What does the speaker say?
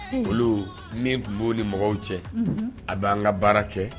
Olu min tun b'o ni mɔgɔw cɛ a bɛ' an ka baara kɛ